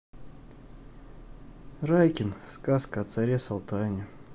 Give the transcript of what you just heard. райкин сказка о царе салтане